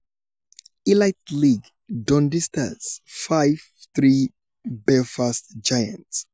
Elite League: Dundee Stars 5-3 Belfast Giants